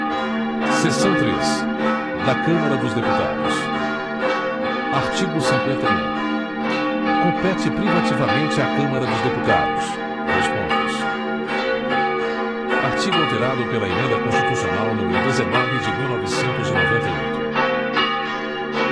seção três da câmara dos deputados artigo cinquenta e um compete privativamente à câmara dos deputados dois pontos artigo alterado pela emenda constitucional número dezenove de mil novecentos e noventa e oito